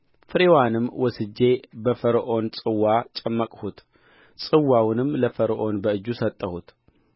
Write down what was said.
ፍሬውንም ወስጄ በፈርዖን ጽዋ ጨመቅሁት ጽዋውንም ለፈርዖን በእጁ ሰጠሁት